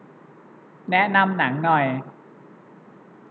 แนะนำหนังหน่อย